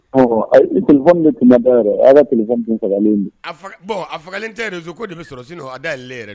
Bɔn a faga tɛ ko de bɛ sɔrɔ a' le yɛrɛ